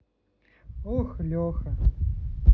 ох леха